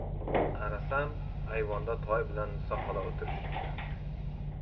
qarasam ayvonda toy bilan niso xola o'tirishibdi